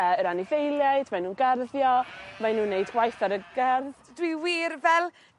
yy yr anifeiliaid mae nw'n garddio mae nw'n neud gwaith ar y gardd. Dwi wir fel